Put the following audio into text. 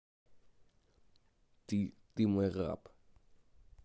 ты ты мой раб